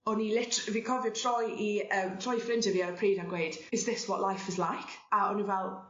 O'n i litr- fi cofio troi i yym troi i ffrinde fi ar y pryd a gweud is this what life is like? a o' n'w fel